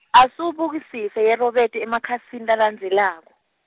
Asubukisise yeRobert emakhasini lalandzelako.